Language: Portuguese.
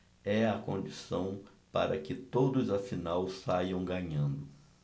é a condição para que todos afinal saiam ganhando